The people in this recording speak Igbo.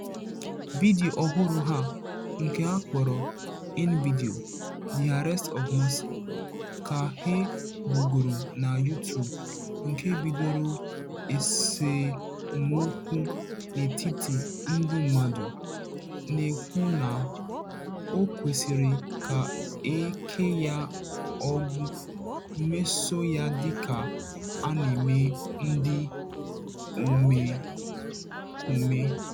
Vidiyo ọhụrụ a, nke a kpọrọ "In Video, The Arrest of Morsi", ka e bugoro na YouTube nke bidoro esemokwu n'etiti ndị mmadụ [ar] na-ekwu na "o" kwesịrị ka e kee ya ọgbụ "meso ya dịka a na-eme ndị omekome."